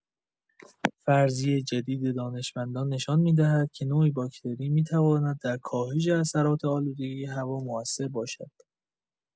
فرضیه جدید دانشمندان نشان می‌دهد که نوعی باکتری می‌تواند در کاهش اثرات آلودگی هوا مؤثر باشد.